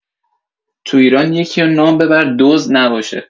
توو ایران یکیو نام ببر دزد نباشه